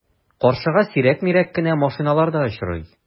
Каршыга сирәк-мирәк кенә машиналар да очрый.